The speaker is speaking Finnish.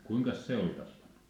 kuinkas se oli tappanut